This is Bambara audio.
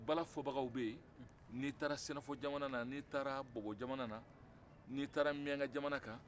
bala fɔbagaw bɛ ye ni taara sinafɔ jamana na ni taara bɔbɔ jamana na ni taara minniyanka jamana kan